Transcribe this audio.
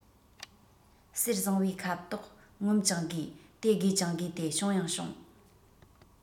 གསེར བཟང པོའི ཁ དོག ངོམས ཀྱང དགོས དེ དགོས ཀྱང དགོས ཏེ བྱུང ཡང བྱུང